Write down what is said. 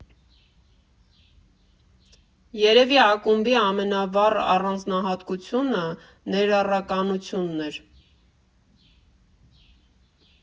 Երևի ակումբի ամենավառ առանձնահատկությունը ներառականությունն էր։